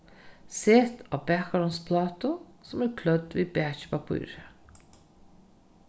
set á bakarovnsplátu sum er klødd við bakipappíri